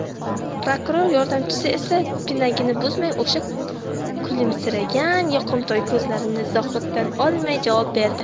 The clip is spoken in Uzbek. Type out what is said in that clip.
prokuror yordamchisi esa pinagini buzmay o'sha kulimsiragan yoqimtoy ko'zlarini zohiddan olmay javob berdi